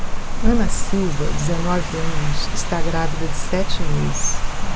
ana silva dezenove anos está grávida de sete meses